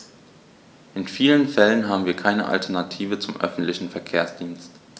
In vielen Fällen haben wir keine Alternative zum öffentlichen Verkehrsdienst.